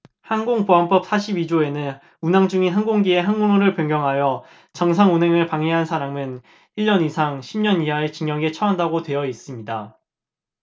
항공보안법 사십 이 조에는 운항중인 항공기의 항로를 변경하여 정상 운항을 방해한 사람은 일 년 이상 십 년 이하의 징역에 처한다고 되어 있습니다